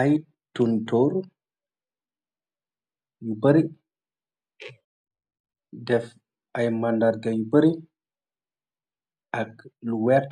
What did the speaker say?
Ay tontorr yu bari, deff ay mandarga yu bari ak lu vert.